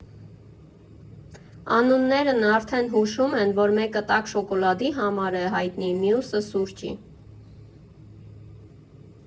Անուններն արդեն հուշում են, որ մեկը տաք շոկոլադի համար է հայտնի, մյուսը՝ սուրճի։